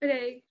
Dydi?